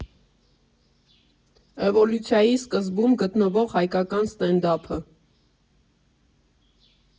Էվոլյուցիայի սկզբում գտնվող հայկական սթենդափը։